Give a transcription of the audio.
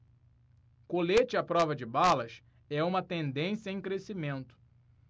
colete à prova de balas é uma tendência em crescimento